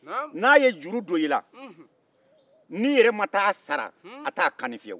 n'a ye juru don i la n'i yɛrɛ ma taa a sara a t'a kanni i la